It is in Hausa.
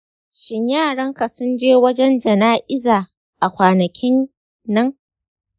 shin yaranka sunje wajen jana'iza a kwanakinnan?